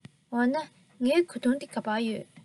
འོ ན ངའི གོས ཐུང དེ ག པར ཡོད